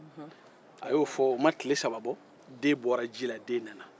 a y'o fɔ o ma tile saba kɔ den bɔra ji la den nana